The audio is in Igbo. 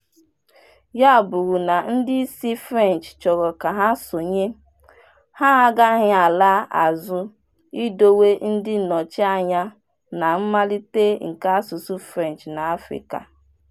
Ya bụrụ na ndị isi French chọrọ ka ha sonye, ha agaghị ala azụ idowe ndị nnọchianya na mmalite nke asụsụ French n'Afrịka.